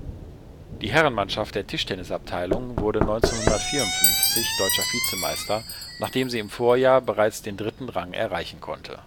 Die Herrenmannschaft der Tischtennisabteilung wurde 1954 deutscher Vizemeister, nachdem sie im Vorjahr bereits den dritten Rang erreichen konnte